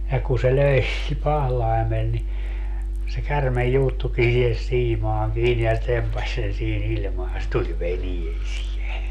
ja kun se löi pahlaimella niin se käärme juuttuikin siihen siimaan kiinni se tempaisi sen siinä ilmaan se tuli veneeseen